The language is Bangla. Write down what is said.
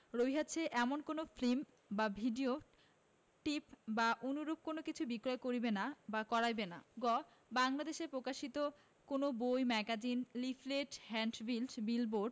রহিয়অছে এমন কোন ফিল্ম বা ভিড়িও টিপ বা অনুরূপ অন্য কিছু বিক্রয় করিবে না বা করাইবে না গ বাংলাদেশে প্রকাশিত কোন বই ম্যাগাজিন লিফলেট হ্যান্ডবিল বিলবোর্ড